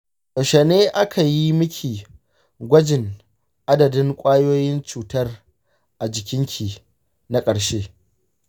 yaushe ne aka yi miki gwajin adadin ƙwayoyin cutar a jikinki na ƙarshe?